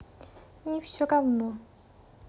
не все равно